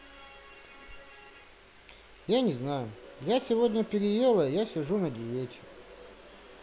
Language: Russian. я не знаю я сегодня переела я сижу на диете